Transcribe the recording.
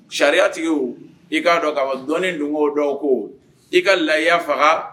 Sariya tigi i k'a dɔn ka ma dɔn dugu o dɔw ko i ka laya faga